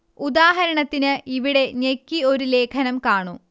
ഉദാഹരണത്തിന് ഇവിടെ ഞെക്കി ഒരു ലേഖനം കാണൂ